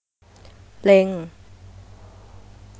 เล็ง